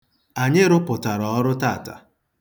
Anyị rụpụtara ọrụ taata.